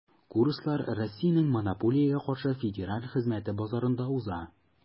Курслар Россиянең Монополиягә каршы федераль хезмәте базасында уза.